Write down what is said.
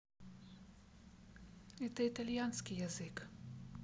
это итальянский язык